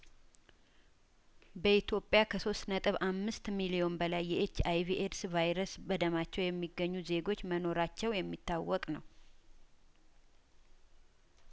በኢትዮጵያ ከሶስት ነጥብ አምስት ሚሊዮን በላይ የኤች አይቪ ኤድስ ቫይረስ በደማቸው የሚገኙ ዜጐች መኖራቸው የሚታወቅ ነው